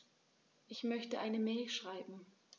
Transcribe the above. Ich möchte eine Mail schreiben.